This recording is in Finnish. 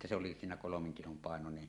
että se oli siinä kolmen kilon painoinen